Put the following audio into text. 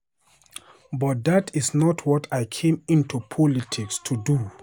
But that is not what I came into politics to do.